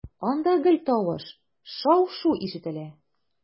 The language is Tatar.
Анда гел тавыш, шау-шу ишетелә.